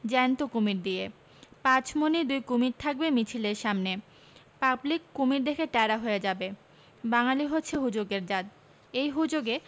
জ্যান্ত কুমীর দিয়ে পাঁচমণি দুই কুমীর থাকবে মিছিলের সামনে পাবলিক কুমীর দেখে ট্যারা হয়ে যাবে বাঙ্গালী হচ্ছে হুজুগের জাত এই হুজুগে